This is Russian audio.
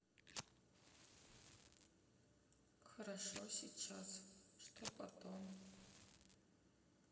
хорошо сейчас что потом